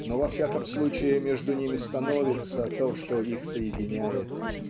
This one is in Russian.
но, во всяком случае, между ними становится то, что их соединяет,